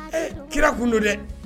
Ee kira tun don dɛ